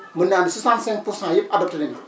mën naa ne 65 pour cent yëpp adopté nañ ko